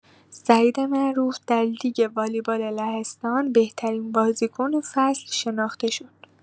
سعید معروف در لیگ والیبال لهستان بهترین بازیکن فصل شناخته شد.